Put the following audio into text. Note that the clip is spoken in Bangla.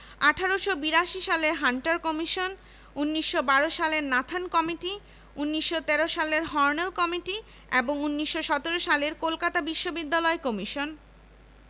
১৮৮২ সালের হান্টার কমিশন ১৯১২ সালের নাথান কমিটি ১৯১৩ সালের হর্নেল কমিটি এবং ১৯১৭ সালের কলকাতা বিশ্ববিদ্যালয় কমিশন